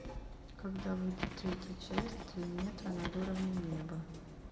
когда выйдет третья часть три метра над уровнем неба